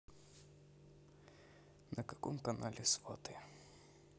на каком канале сваты